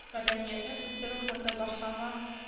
Мәдәниятне үстерү фонды башкарма